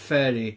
Fairy